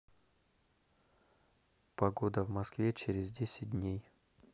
погода в москве через девять дней